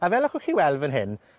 A fel allwch chi weld fan hyn,